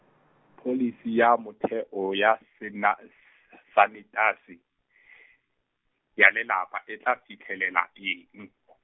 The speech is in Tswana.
pholisi ya motheo ya sena- es- sanetasi , ya lelapa e tla fitlhelela ke eng ?